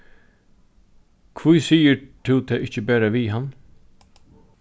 hví sigur tú tað ikki bara við hann